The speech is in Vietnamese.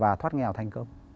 và thoát nghèo thành công